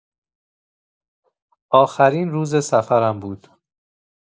آخرین روز سفرم بود.